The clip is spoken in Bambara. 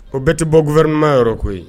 O bɛ tɛ bɔ gu vinma yɔrɔ koyi